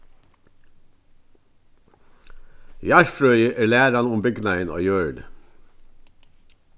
jarðfrøði er læran um bygnaðin á jørðini